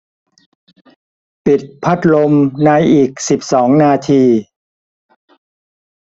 ปิดพัดลมในอีกสิบสองนาที